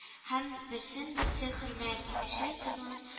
Һәм берсен-берсе хөрмәт итешә торган